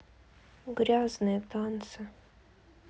грязные танцы